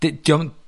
'di 'di o'm